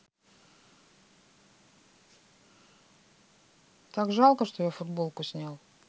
так жалко что я футболку снял